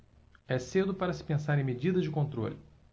é cedo para se pensar em medidas de controle